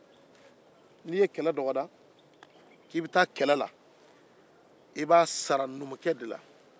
n'i ye kɛlɛ boloda i b'i sara numukɛ la